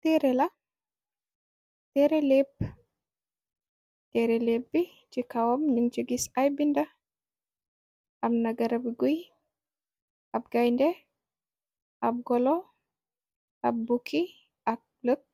Teere la teere léeb bi ci kawam nung ci gis ay bind. Am na garabi guy ab gaynde ab golo tab bukki ak lëkk